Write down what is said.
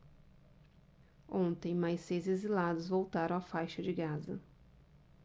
ontem mais seis exilados voltaram à faixa de gaza